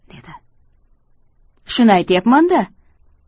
dedi shuni aytyapman da